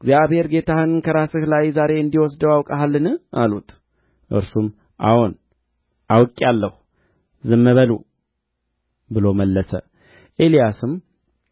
እግዚአብሔር ወደ ኢያሪኮ ልኮኛልና እባክህ በዚህ ቆይ አለው እርሱም ሕያው እግዚአብሔርን በሕያው ነፍስህም እምላለሁ አልለይህም አለ ወደ ኢያሪኮም መጡ